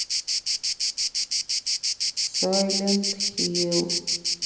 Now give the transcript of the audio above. сайлент хилл